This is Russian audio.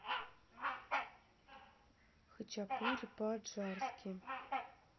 хачапури по аджарски